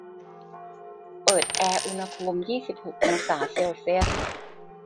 เปิดแอร์อุณหภูมิยี่สิบหกองศาเซลเซียส